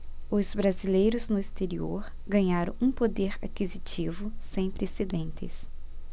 os brasileiros no exterior ganharam um poder aquisitivo sem precedentes